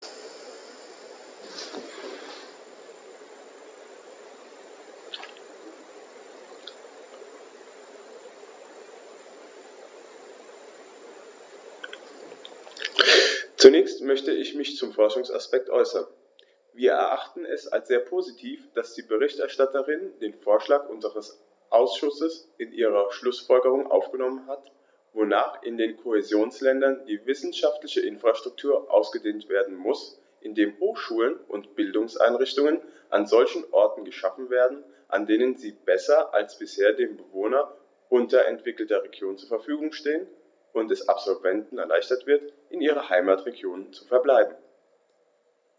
Zunächst möchte ich mich zum Forschungsaspekt äußern. Wir erachten es als sehr positiv, dass die Berichterstatterin den Vorschlag unseres Ausschusses in ihre Schlußfolgerungen aufgenommen hat, wonach in den Kohäsionsländern die wissenschaftliche Infrastruktur ausgedehnt werden muss, indem Hochschulen und Bildungseinrichtungen an solchen Orten geschaffen werden, an denen sie besser als bisher den Bewohnern unterentwickelter Regionen zur Verfügung stehen, und es Absolventen erleichtert wird, in ihren Heimatregionen zu verbleiben.